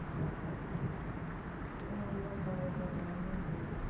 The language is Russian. что мне делать тогда джой помоги мне пожалуйста